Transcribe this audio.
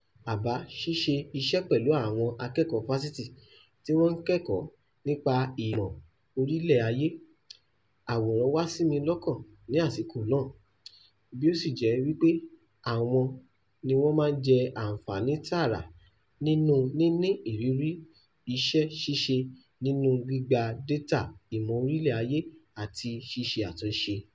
Àbá ṣíṣe iṣẹ́ pẹ̀lú àwọn akẹ́kọ̀ọ́ Fásitì, tí wọ́n ń kẹ́kọ̀ọ́ nípa ìmọ̀ orílẹ̀ ayé/àwòrán wá sí mi lọ́kàn ní àwọn àsìkò náà, bí ó ṣe jẹ́ wí pé àwọn ni wọ́n máa jẹ àǹfààní tààrà nínú níní ìrírí iṣẹ́ ṣíṣe nínú gbígba dátà ìmọ̀ orílẹ̀ ayé àti ṣíṣe àtúnṣe